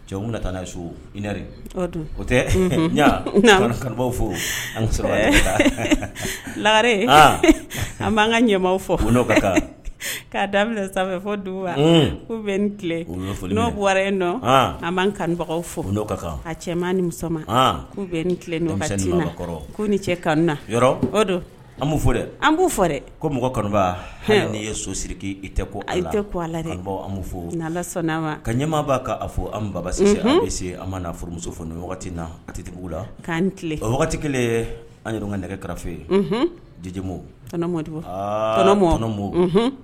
Cɛw na taa n' sore o tɛ n'an kanubaw fo an sɔrɔ lare an b'an ka ɲɛmaw fɔ fo ka kan k'a daminɛ sanfɛ fɔ dugu wa ko bɛ ne fɔ n'o buwarɛ dɔn an b'an kanbaga fɔ n ka kan a cɛ ni musomanma ko bɛ tilen kɔrɔ ko ni cɛ kanu na o don an' fɔ dɛ an b'o fɔ dɛ ko mɔgɔ kanu h n'i ye so siriki i tɛ ko tɛ ko la an fɔlasa'an ma ka ɲɛmaa'' fɔ an babasi an'a furumuso fɔ wagati na a tɛtigiw la'an tilen wagati kelen an yɛrɛ ka nɛgɛ karafe yeji mɔ